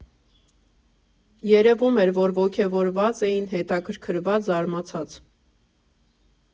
Երևում էր, որ ոգևորված էին, հետաքրքրված, զարմացած։